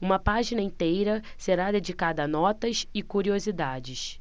uma página inteira será dedicada a notas e curiosidades